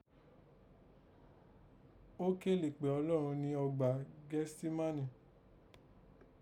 Ó kélè kpè Ọlọ́run ni ọgbà Gẹ́stímánì